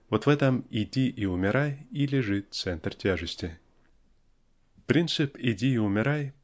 Вот в этом "иди и умирай" и лежит центр тяжести. Принцип "иди и умирай!"